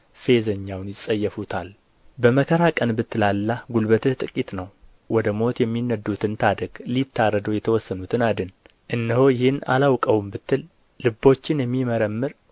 ፌዘኛውን ይጸየፉታል በመከራ ቀን ብትላላ ጉልበትህ ጥቂት ነው ወደ ሞት የሚነዱትን ታደግ ሊታረዱ የተወሰኑትን አድን እነሆ ይህን አላወቀውም ብትል ልቦችን የሚመረምር